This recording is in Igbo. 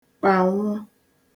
kpànwụ